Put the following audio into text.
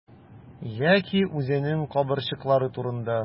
Яки үзенең кабырчрыклары турында.